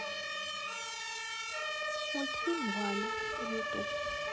мультфильм валли в ютуб